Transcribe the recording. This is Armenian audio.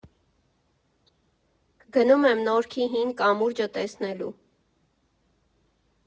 Գնում եմ Նորքի հին կամուրջը տեսնելու։